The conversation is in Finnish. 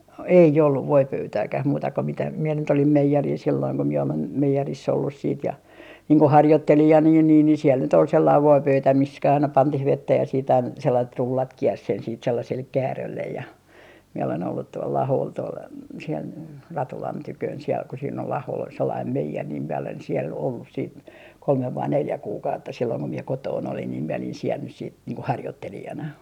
ei ollut voipöytääkään muuta kuin mitä minä nyt olin meijerillä silloin kun minä olen meijerissä ollut sitten ja niin kuin harjoittelijana ja niin niin niin siellä nyt oli sellainen voipöytä -- aina pantiin vettä ja sitten - sellaiset rullat kiersi sen sitten sellaiselle käärölle ja minä olen ollut tuolla Aholla tuolla siellä Ratulan tykönä siellä kun siinä oli Aholla oli sellainen meijeri niin minä olen siellä ollut sitten kolme vai neljä kuukautta silloin kun minä kotona olin niin minä olin siellä nyt sitten niin kuin harjoittelijana